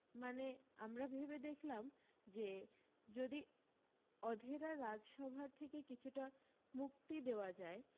মানে আমরা ভেবে দেখলাম যে যদি অধেরা রাজস্বভার থেকে কিছুটা মুক্তি দেওয়া যায়